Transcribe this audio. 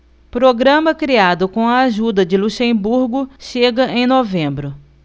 programa criado com a ajuda de luxemburgo chega em novembro